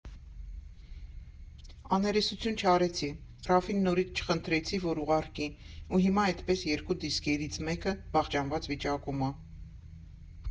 Աներեսություն չարեցի, Ռաֆին նորից չխնդրեցի, որ ուղարկի, ու հիմա էդպես երկու դիսկերից մեկը վախճանված վիճակում ա։